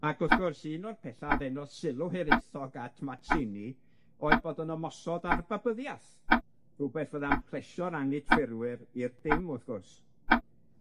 Ac wrth gwrs, un o'r petha ddenodd sylw Hiraethog at Mazzini oedd bod yn ymosod ar Babyddiath, rwbeth fydda'n plesio'r anghydffurwyr i'r dim wrth gwrs.